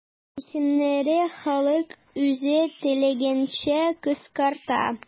Исемнәрне халык үзе теләгәнчә кыскарта.